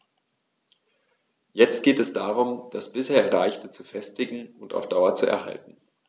Jetzt geht es darum, das bisher Erreichte zu festigen und auf Dauer zu erhalten.